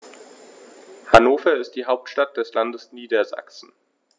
Hannover ist die Hauptstadt des Landes Niedersachsen.